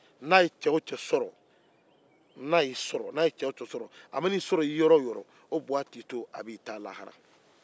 n'a ye cɛ o cɛ sɔrɔ yɔrɔ o yɔrɔ o baga fɛ i bɛ taa lahara